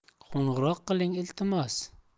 qo'ng'iroq qiling iltimos